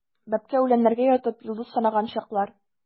Бәбкә үләннәргә ятып, йолдыз санаган чаклар.